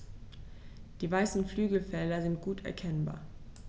Die weißen Flügelfelder sind gut erkennbar.